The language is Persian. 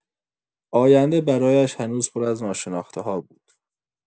آینده برایش هنوز پر از ناشناخته‌ها بود.